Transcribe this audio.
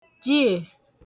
jiè